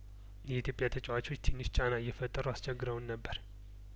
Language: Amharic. የኢትዮጵያ ተጨዋቾች ትንሽ ጫና እየፈጠሩ አስቸግረውን ነበር